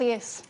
Plîs.